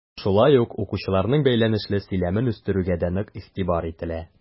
Шулай ук укучыларның бәйләнешле сөйләмен үстерүгә дә нык игътибар ителә.